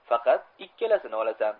faqat ikkalasini olasan